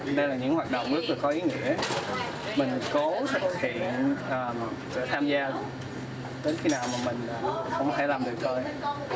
là những hoạt động có ý nghĩa của mình có thể sẽ tham gia đến khi nào mình cũng phải làm được thôi